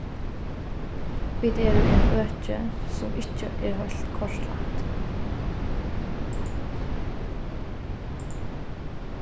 vit eru í einum øki sum ikki er heilt kortlagt